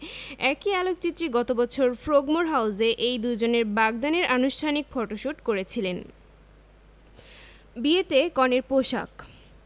একই আলোকচিত্রী গত বছর ফ্রোগমোর হাউসে এই দুজনের বাগদানের আনুষ্ঠানিক ফটোশুট করেছিলেন বিয়েতে কনের পোশাক